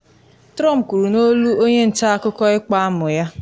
Trump kwuru n’olu “onye nta akụkọ” ịkpa amụ ya.